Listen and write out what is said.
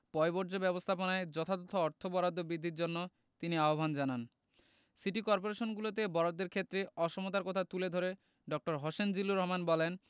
পয়ঃবর্জ্য ব্যবস্থাপনায় যথাযথ অর্থ বরাদ্দ বৃদ্ধির জন্য তিনি আহ্বান জানান সিটি করপোরেশনগুলোতে বরাদ্দের ক্ষেত্রে অসমতার কথা তুলে ধরে ড. হোসেন জিল্লুর রহমান বলেন